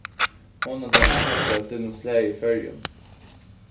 hon er tann einasta av sínum slagi í føroyum